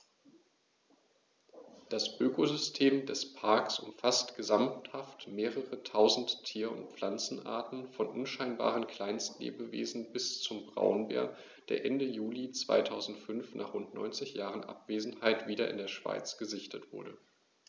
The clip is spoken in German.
Das Ökosystem des Parks umfasst gesamthaft mehrere tausend Tier- und Pflanzenarten, von unscheinbaren Kleinstlebewesen bis zum Braunbär, der Ende Juli 2005, nach rund 90 Jahren Abwesenheit, wieder in der Schweiz gesichtet wurde.